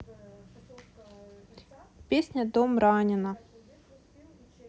песня дом ранена